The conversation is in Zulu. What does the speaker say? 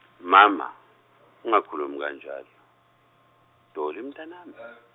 mama , ungakhulumi kanjalo, Dolly mntanami.